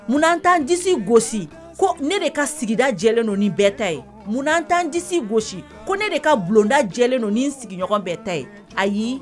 Muna an t'an disi gosi ko ne de ka sigida jɛlen don ni bɛɛ ta ye. muna an t'an disi gosi ko ne de ka bulonda jɛlen don ni sigiɲɔgɔn bɛɛ ta ye? Ayi